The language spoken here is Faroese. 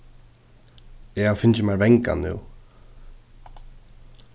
eg havi fingið mær vangan nú